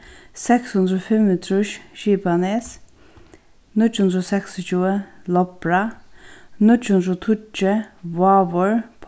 seks hundrað og fimmogtrýss skipanes níggju hundrað og seksogtjúgu lopra níggju hundrað og tíggju vágur